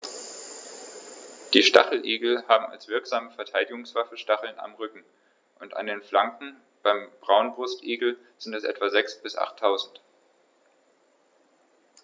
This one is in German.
Die Stacheligel haben als wirksame Verteidigungswaffe Stacheln am Rücken und an den Flanken (beim Braunbrustigel sind es etwa sechs- bis achttausend).